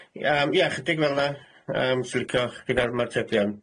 Ymm, ie chydig fel'na, swn i'n licio chi feddwl am atebion.